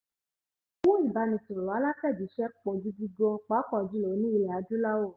Iye owó ìbánisọ̀rọ̀ alátẹ̀jíṣẹ́ pọ̀ gidi gan, pàápàá jùlọ ní ilẹ̀ Adúláwọ̀.